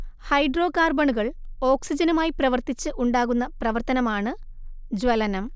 ഹൈഡ്രോകാർബണുകൾ ഓക്സിജനുമായി പ്രവർത്തിച്ച് ഉണ്ടാകുന്ന പ്രവർത്തനമാണ് ജ്വലനം